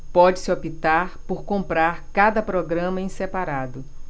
pode-se optar por comprar cada programa em separado